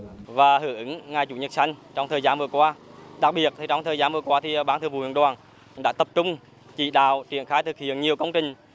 và hưởng ứng ngày chủ nhật xanh trong thời gian vừa qua đặc biệt trong thời gian vừa qua thì ban thường vụ huyện đoàn đã tập trung chỉ đạo triển khai thực hiện nhiều công trình